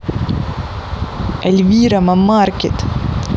эльвира мамаркет